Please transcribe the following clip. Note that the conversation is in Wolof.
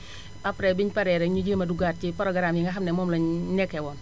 après bi ñu paree rekk ñu jéem a dugaat ci programme yi nga xam ne moom lañu nekkee woon